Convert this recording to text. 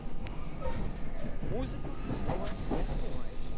музыку снова я напиваюсь